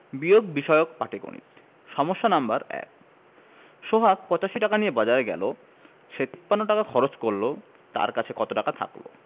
বিয়োগ বিষয়ক পাটিগনিতঃ সমস্যা নাম্বার ১ সোহাগ ৮৫ টাকা নিয়ে বাজারে গেল সে ৫৩ টাকা খরচ করল তার কাছে কত টাকা থাকল